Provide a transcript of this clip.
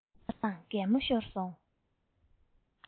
བཀྲ བཟང གད མོ ཤོར སོང